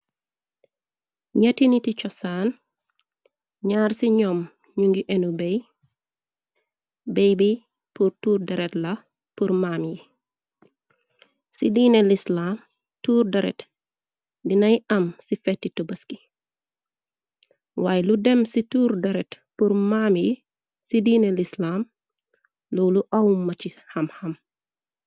Nyetti niti chosaan ñaar ci ñoom ñu ngi enu bey béy bi pur tuur deret la purmaam yi ci diine lislam tuur deret dinay am ci feti tobeski waaye lu dem ci tuur deret pur maam yi ci diine lislaam loolu awum ma ci xam xam.